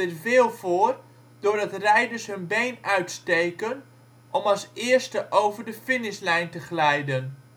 veel voor doordat rijders hun been uitsteken om als eerste over de finishlijn te glijden